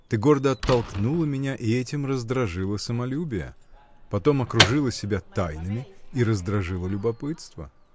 Ты гордо оттолкнула меня и этим раздражила самолюбие, потом окружила себя тайнами и раздражила любопытство.